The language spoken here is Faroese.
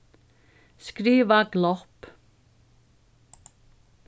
skriva glopp